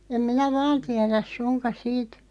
en minä vain tiedä suinkaan siitä